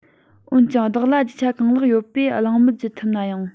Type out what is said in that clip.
འོན ཀྱང བདག ལ རྒྱུ ཆ གང ལེགས ཡོད པས གླེང མོལ བགྱི ཐུབ ནའང